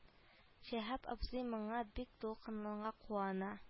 Шиһап абзый моңа бик дулкынлана куана